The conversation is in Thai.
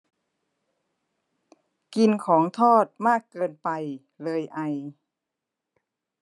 กินของทอดมากเกินไปเลยไอ